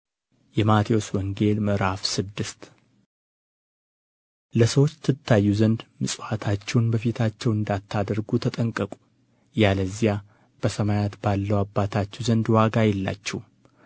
﻿የማቴዎስ ወንጌል ምዕራፍ ስድስት ለሰዎች ትታዩ ዘንድ ምጽዋታችሁን በፊታቸው እንዳታደርጉ ተጠንቀቁ ያለዚያ በሰማያት ባለው አባታችሁ ዘንድ ዋጋ የላችሁም